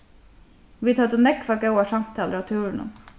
vit høvdu nógvar góðar samtalur á túrinum